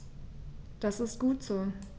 Das ist gut so.